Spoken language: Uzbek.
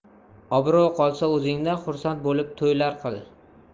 obro' qolsa o'zingda xursand bo'lib to'ylar qil